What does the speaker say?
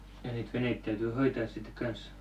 ja niitä veneitä täytyy hoitaa sitten kanssa